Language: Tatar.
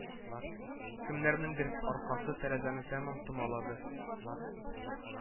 Кемнәрнеңдер аркасы тәрәзәне тәмам томалады